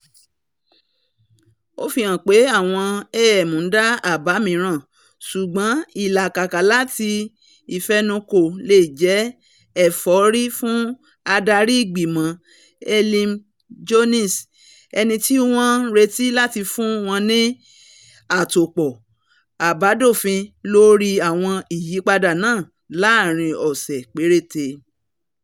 Ó fi hàn pe àwọn AM ńdá àbá̀ miran, ṣugbọn ìlàkàkà láti ìfẹnukò leè jẹ́ ẹ̀fọ́rí fún ádari ìgbìmọ́, Elin Jones, ẹnití wọn ńretí láti fún wọn ní àtòpọ̀ àbádòfin lórí à̀wọn ìyípadà náà láarin ọ̀sẹ̀ pérétè.